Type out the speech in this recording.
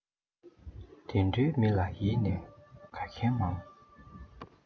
དེ འདྲའི མི ལ ཡིད ནས དགའ མཁན མང